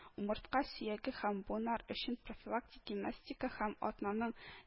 Умыртка сөяге һәм буыннар өчен профилактик гимнастика һәр атнаның